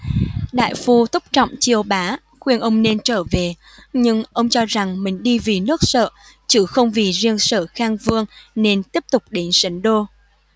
đại phu thúc trọng chiêu bá khuyên ông nên trở về nhưng ông cho rằng mình đi vì nước sở chứ không vì riêng sở khang vương nên tiếp tục đến sính đô